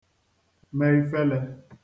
-me ifelē